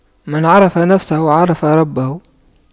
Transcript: من عرف نفسه عرف ربه